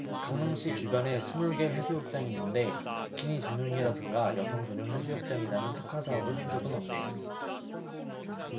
강릉시 주변에 스물 개 해수욕장이 있는데 비키니 전용이라든가 여성 전용 해수욕장이라는 특화사업을 한 적은 없네요